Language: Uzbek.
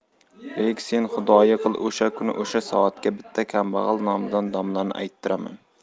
bek sen xudoyi qil o'sha kuni o'sha soatga bitta kambag'al nomidan domlani ayttiraman